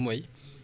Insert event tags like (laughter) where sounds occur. (hesitation) (hesitation)